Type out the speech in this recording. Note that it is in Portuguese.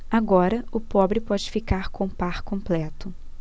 agora o pobre pode ficar com o par completo